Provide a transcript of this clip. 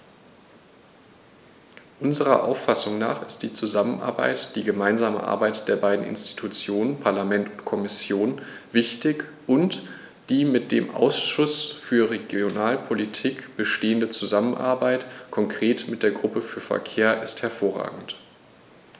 Unserer Auffassung nach ist die Zusammenarbeit, die gemeinsame Arbeit der beiden Institutionen - Parlament und Kommission - wichtig, und die mit dem Ausschuss für Regionalpolitik bestehende Zusammenarbeit, konkret mit der Gruppe für Verkehr, ist hervorragend.